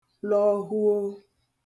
lọhuo